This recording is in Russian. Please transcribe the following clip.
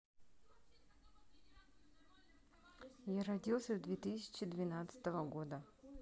я родился в две тысячи двенадцатого года